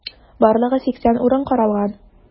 Барлыгы 80 урын каралган.